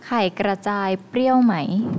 ไข่กระจายเปรี้ยวไหม